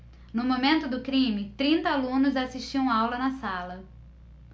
no momento do crime trinta alunos assistiam aula na sala